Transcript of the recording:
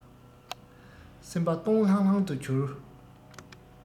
སེམས པ སྟོང ལྷང ལྷང དུ གྱུར